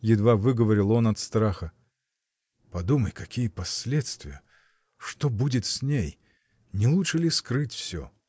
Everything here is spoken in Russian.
— едва выговорил он от страха. — Подумай, какие последствия. Что будет с ней?. Не лучше ли скрыть всё?.